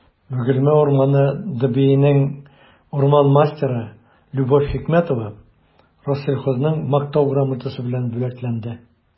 «бөгелмә урманы» дбинең урман мастеры любовь хикмәтова рослесхозның мактау грамотасы белән бүләкләнде